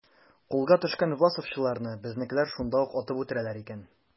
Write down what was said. Кулга төшкән власовчыларны безнекеләр шунда ук атып үтерәләр икән.